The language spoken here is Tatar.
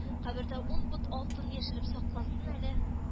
Кабердә ун пот алтын яшереп сакласын әле